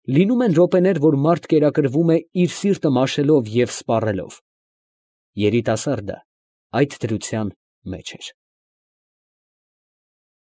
Լինում են րոպեներ, որ մարդ կերակրվում է իր սիրտը մաշելով և սպառելով. երիտասարդը այդ դրության մեջ էր։